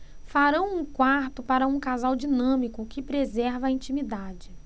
farão um quarto para um casal dinâmico que preserva a intimidade